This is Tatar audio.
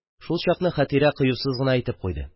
Шулчакны Хәтирә кыюсыз гына әйтеп куйды: